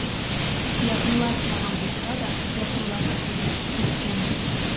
Якынлашмаган булса да, якынлашсын, дип әйткән идем.